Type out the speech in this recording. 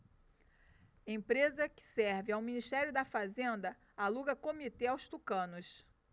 empresa que serve ao ministério da fazenda aluga comitê aos tucanos